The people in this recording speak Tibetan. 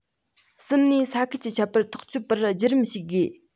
གསུམ ནས ས ཁུལ གྱི ཁྱད པར ཐག གཅོད པར བརྒྱུད རིམ ཞིག དགོས